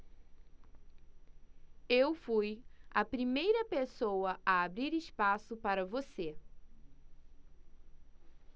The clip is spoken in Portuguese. eu fui a primeira pessoa a abrir espaço para você